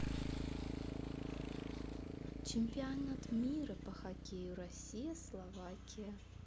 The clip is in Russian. чемпионат мира по хоккею россия словакия